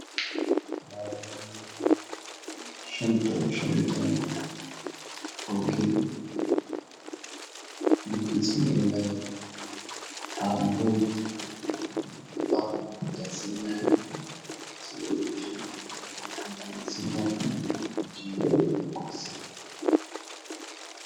Waa meel bannaan waxaa taagtaagan geel farabadan waxaa hoos yaalla bal se darbi ee ka dambeeya waa caddaan